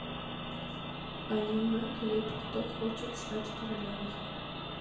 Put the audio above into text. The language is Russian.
аниме клип кто хочет стать королевой